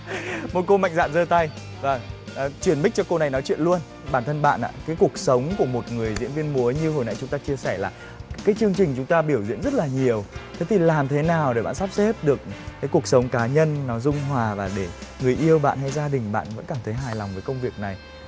một cô mạnh dạn giơ tay vâng chuyển mích cho cô này nói chuyện luôn bản thân bạn ạ cái cuộc sống của một người diễn viên múa như hồi nãy chúng ta chia sẻ là cái chương trình chúng ta biểu diễn rất là nhiều thế thì làm thế nào để bạn sắp xếp được cái cuộc sống cá nhân nó dung hòa và để người yêu bạn hay gia đình bạn vẫn cảm thấy hài lòng với công việc này